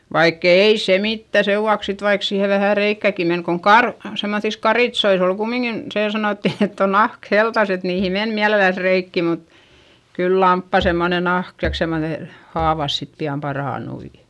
vaikka ei se mitään sen vuoksi sitten vaikka siihen vähän reikääkin meni kun - semmoisissa karitsoissa oli kumminkin se sanottiin että on nahka heltassa että niihin meni mielellänsä reikiä mutta kyllä lampaan semmoinen nahka tai semmoinen haavat sitten pian parantui